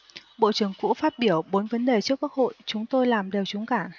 bộ trưởng cũ phát biểu bốn vấn đề trước quốc hội chúng tôi làm đều trúng cả